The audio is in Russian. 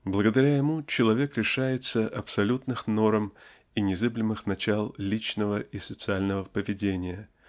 Благодаря ему человек лишается абсолютных норм и незыблемых начал личного и социального поведения